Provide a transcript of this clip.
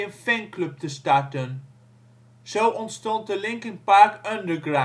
fanclub te starten. Zo ontstond de Linkin Park